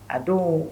A don